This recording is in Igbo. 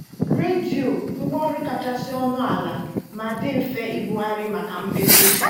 Redio - ngwaọrụ kachasị ọnụ ala ma dị mfe ibugharị maka mmepe